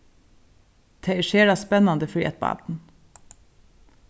tað er sera spennandi fyri eitt barn